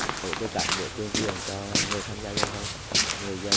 tổ chức các buổi tuyên truyền cho người tham gia giao thông người dân